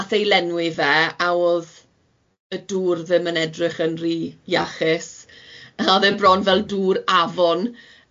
aeth e i lenwi fe a o'dd y dŵr ddim yn edrych yn rhy iachus, a o'dd e bron fel dŵr afon.